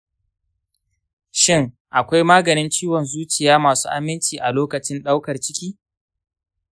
shin, akwai maganin ciwon zuciya masu aminci a lokacin daukar ciki?